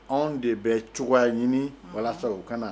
Anw de bɛ cogoya ɲini walasa o ka na